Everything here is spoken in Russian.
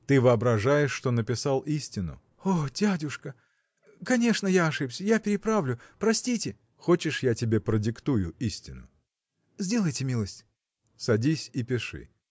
– Ты воображаешь, что написал истину?. – О дядюшка!. конечно, я ошибся. я переправлю. простите. – Хочешь, я тебе продиктую истину? – Сделайте милость. – Садись и пиши.